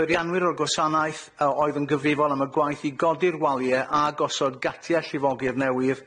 Peirianwyr o'r gwasanaeth yy oedd yn gyfrifol am y gwaith i godi'r walie a gosod gatie llifogydd newydd,